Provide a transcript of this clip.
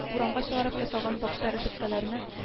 Урамга чыгарып ясалган бакча рәшәткәләренә